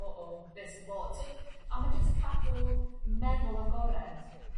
o o beth sy'n bod t'od? A ma' jyst cadw meddwl agored